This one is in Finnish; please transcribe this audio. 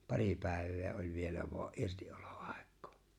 pari päivää oli vielä vain irtiolo aikaa